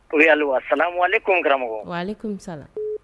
O mɔ ko karamɔgɔ